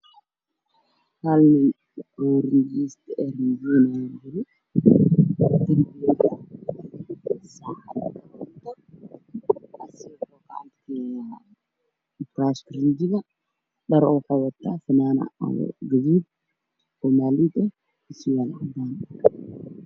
Waxaa ii muuqda wiil wata fannaanad guduud cadde darbe ayuu rinjaynayaa darbiga waa caddaan saacada ayaa ku dhigaan